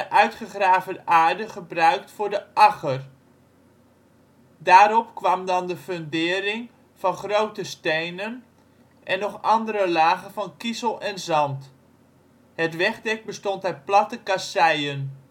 uitgegraven aarde gebruikt voor de agger. Daarop kwam dan de fundering van grote stenen en nog andere lagen van kiezel en zand. Het wegdek bestond uit platte kasseien